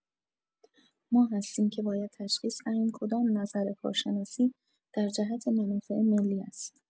ما هستیم که باید تشخیص دهیم کدام نظر کارشناسی، در جهت منافع ملی است.